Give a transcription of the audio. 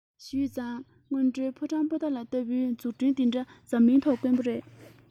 ཞུས ཙང དངོས འབྲེལ ཕོ བྲང པོ ཏ ལ ལྟ བུའི འཛུགས སྐྲུན དེ འདྲ འཛམ གླིང ཐོག དཀོན པོ རེད